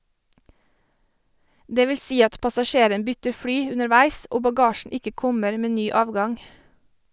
Det vil si at passasjeren bytter fly underveis og bagasjen ikke kommer med ny avgang.